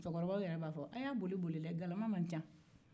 cɛkɔrɔbaw yɛrɛ b'a fɔ a' y'a boliboli dɛ galama man ca